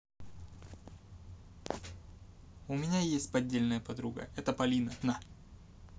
у меня есть поддельная подруга это полина на